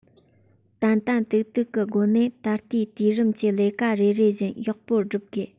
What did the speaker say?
ཏན ཏན ཏིག ཏིག གི སྒོ ནས ད ལྟའི དུས རིམ གྱི ལས ཀ རེ རེ བཞིན ཡག པོ བསྒྲུབ དགོས